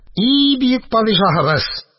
И бөек падишаһыбыз!